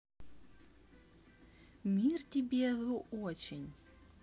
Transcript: мир тебе thy очень